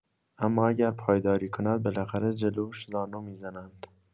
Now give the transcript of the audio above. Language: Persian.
اما اگر پایداری کند بالاخره جلوش زانو می‌زنند.